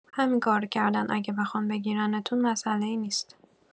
همین کارو کردن اگر بخوان بگیرنتون مساله‌ای نیست